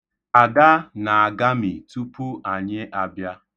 Ada na-agami tupu anyị abịa.